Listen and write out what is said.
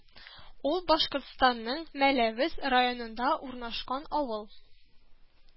Ул Башкортстанның Мәләвез районында урнашкан авыл